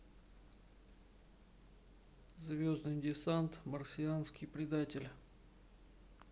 звездный десант марсианский предатель